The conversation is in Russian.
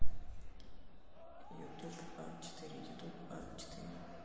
ютуб а четыре ютуб а четыре